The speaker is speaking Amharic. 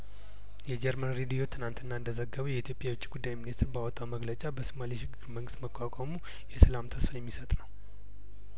የጀርመን ሬዲዮ ትናንትና እንደዘገበው የኢትዮጵያ የውጭ ጉዳይ ሚኒስትር ባወጣው መግለጫ በሶማሌ የሽግግር መንግስት መቋቋሙ የሰላም ተስፋ የሚሰጥ ነው